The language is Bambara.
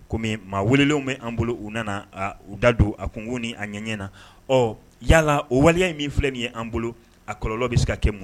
Komi maa welelen bɛan bolo u nana u da don a tunkun ni a ɲɛ ɲɛɲɛna ɔ yalala o waleya in min filɛ nin ye an bolo a kɔlɔ bɛ se ka kɛ mun